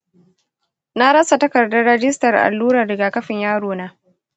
na rasa takardar rajistar allurar rigakafin yarona.